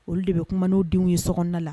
Olu de be kuma nu denw ye sokɔnɔna la.